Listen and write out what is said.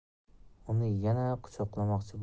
uni yana quchoqlamoqchi bo'lgan edi